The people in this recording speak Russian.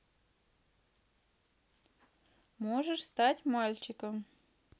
можешь стать мальчиком